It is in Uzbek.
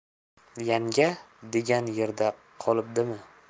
yanga degan yerda qolibdimi